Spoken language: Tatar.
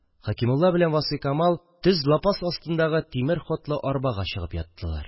Хәкимулла белән Васфикамал төз лапас астындагы тимер ходлы арбага чыгып яттылар